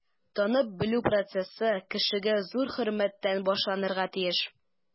Танып-белү процессы кешегә зур хөрмәттән башланырга тиеш.